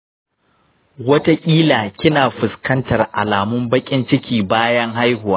wataƙila kina fuskantar alamun baƙin ciki bayan haihuwa.